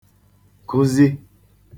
kụzi